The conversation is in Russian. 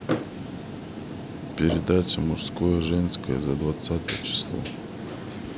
передача мужское женское за двадцатое число